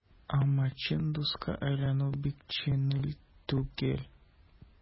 Әмма чын дуска әйләнү бик җиңел түгел.